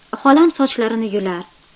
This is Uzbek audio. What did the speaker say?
xolam sochlarini yular